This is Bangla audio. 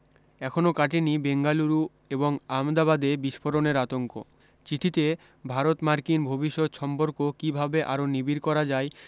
এখনও কাটেনি বেঙ্গালুরু এবং আমদাবাদে বিস্ফোরণের আতঙ্ক চিঠিতে ভারত মার্কিন ভবিষ্যত সম্পর্ক কী ভাবে আরও নিবিড় করা যায়